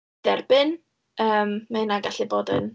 derbyn, yym, ma' hynna'n gallu bod yn...